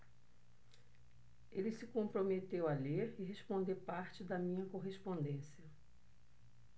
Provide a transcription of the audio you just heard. ele se comprometeu a ler e responder parte da minha correspondência